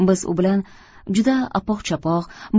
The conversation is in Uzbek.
biz u bilan juda apoq chapoq